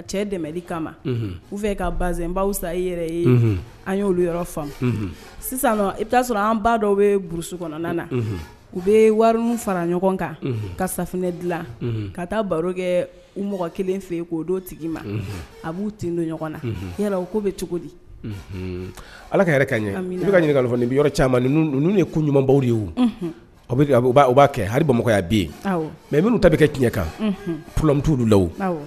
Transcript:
An u bɛ wari fara ɲɔgɔn kan kafunɛ dilan ka taa baro kɛ u mɔgɔ kelen fɛ yen k'o don tigi ma a b'u t don ɲɔgɔn na yala ko bɛ cogo di ala ka yɛrɛ ka ɲɛ bɛka ka ɲininka i bɛ yɔrɔ caman ye kunɲumanbaw de ye b'a kɛ bamakɔya bɛ yen mɛ minnu ta bɛ kɛ tiɲɛ kan pmutu la